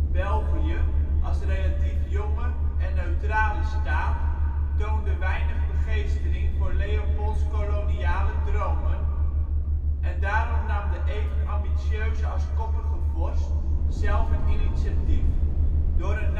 België, als relatief jonge en neutrale staat, toonde weinig begeestering voor Leopolds koloniale dromen, en daarom nam de even ambitieuze als koppige vorst zelf het initiatief. Door